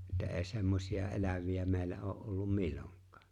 että ei semmoisia eläviä meillä ole ollut milloinkaan